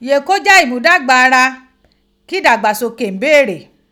Yee ko je imudagba ara ki idagbasoke n beere.